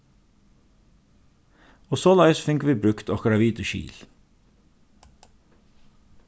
og soleiðis fingu vit brúkt okkara vit og skil